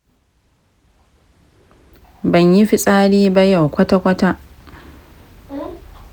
banyi fitsari ba yau kwata kwata